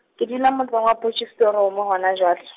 ke dula motseng wa Potchefstroom o hona jwale.